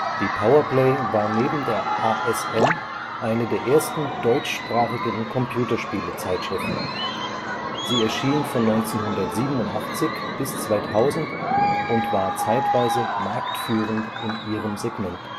Die Power Play war neben der ASM eine der ersten deutschsprachigen Computerspiele-Zeitschriften. Sie erschien von 1987 bis 2000 und war zeitweise marktführend in ihrem Segment